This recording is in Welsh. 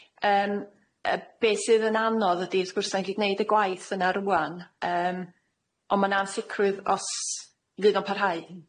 Yym, yy be' sydd yn anodd ydi, wrth gwrs ni 'dan ni 'di gneud y gwaith yna rŵan yym, on' ma' 'na ansicrwydd os fydd o'n parhau.